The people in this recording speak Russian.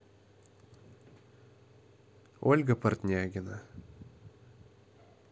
ольга портнягина